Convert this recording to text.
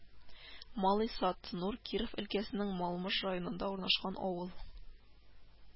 Малый Сатнур Киров өлкәсенең Малмыж районында урнашкан авыл